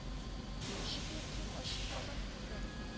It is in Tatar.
Ишекне киң ачып азат керде